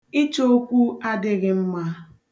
Ịchọ okwu adịghị mma.